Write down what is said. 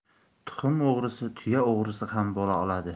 tuxum o'g'risi tuya o'g'risi ham bo'la oladi